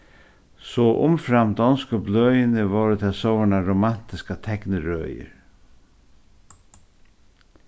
so umframt donsku bløðini vóru tað sovorðnar romantiskar teknirøðir